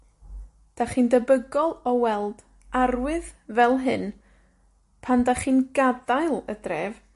'Dach chi'n debygol o weld arwydd fel hyn, pan 'dach chi'n gadael y dref.